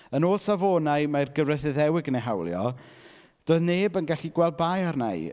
Yn ôl safonau mae'r gyfraith Iddewig yn ei hawlio doedd neb yn gallu gweld bai arna i.